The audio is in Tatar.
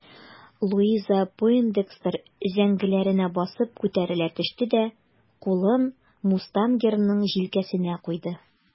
Луиза Пойндекстер өзәңгеләренә басып күтәрелә төште дә кулын мустангерның җилкәсенә куйды.